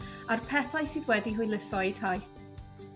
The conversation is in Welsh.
a'r pethau sydd wedi hwyluso eu taith.